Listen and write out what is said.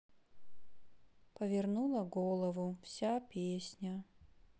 повернула голову вся песня